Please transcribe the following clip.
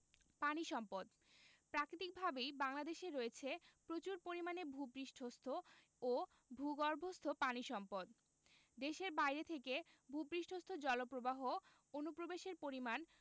পানি সম্পদঃ প্রাকৃতিকভাবেই বাংলাদেশের রয়েছে প্রচুর পরিমাণে ভূ পৃষ্ঠস্থ ও ভূগর্ভস্থ পানি সম্পদ দেশের বাইরে থেকে ভূ পৃষ্ঠস্থ জলপ্রবাহ অনুপ্রবেশের পরিমাণ